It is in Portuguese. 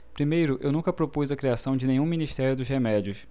primeiro eu nunca propus a criação de nenhum ministério dos remédios